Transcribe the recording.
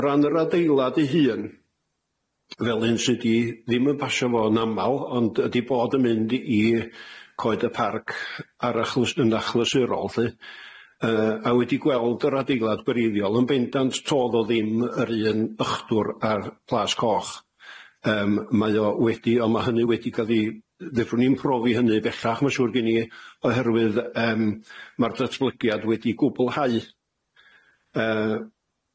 O ran yr adeilad ei hun fel hyn sy 'di ddim yn pasio fo yn amal ond ydi bod yn mynd i coed y parc ar achlys- yn achlysurol 'lly yy a wedi gweld yr adeilad gwreiddiol, yn bendant todd o ddim yr un ychdwr ar Plas Coch, yym mae o wedi on' ma' hynny wedi ca'l 'i fedrwn ni'm profi hynny bellach ma' siŵr gen i oherwydd yym ma'r datblygiad wedi gwblhau yy.